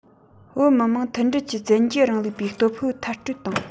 བོད མི དམངས མཐུན སྒྲིལ གྱིས བཙན རྒྱལ རིང ལུགས པའི སྟོབས ཤུགས མཐར སྐྲོད བཏང